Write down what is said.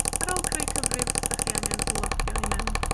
Ar ôl creu cyfrif, 'dach chi angen logio i mewn.